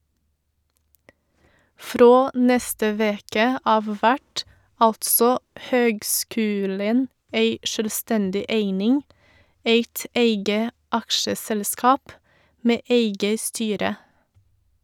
Frå neste veke av vert altså høgskulen ei sjølvstendig eining, eit eige aksjeselskap med eige styre.